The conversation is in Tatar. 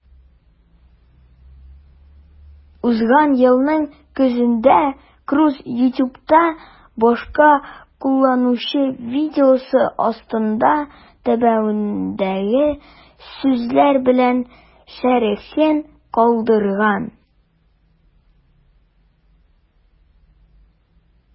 Узган елның көзендә Круз YouTube'та башка кулланучы видеосы астында түбәндәге сүзләр белән шәрехен калдырган: